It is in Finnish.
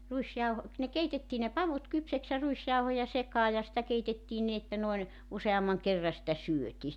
- ne keitettiin ne pavut kypsäksi ja ruisjauhoja sekaan ja sitä keitettiin niin että noin useamman kerran sitä syötiin